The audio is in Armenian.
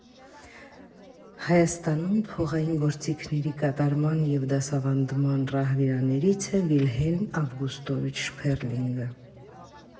Հայաստանում փողային գործիքների կատարման և դասավանդման ռահվիրաներից է Վիլհելմ Ավգուստովիչ Շփեռլինգը։